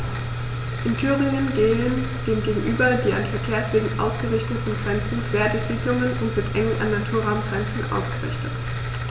In Thüringen gehen dem gegenüber die an Verkehrswegen ausgerichteten Grenzen quer durch Siedlungen und sind eng an Naturraumgrenzen ausgerichtet.